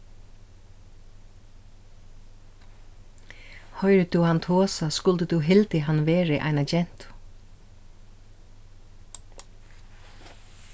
hoyrir tú hann tosa skuldi tú hildið hann verið eina gentu